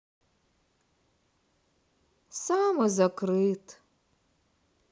самый закрыт